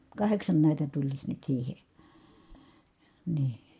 kahdeksan näitä tulisi nyt siihen niin